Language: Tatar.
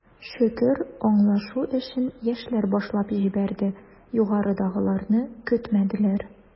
Шөкер, аңлашу эшен, яшьләр башлап җибәрде, югарыдагыларны көтмәделәр.